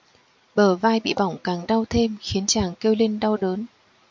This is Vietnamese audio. bờ vai bị bỏng càng đau thêm khiến chàng kêu lên đau đớn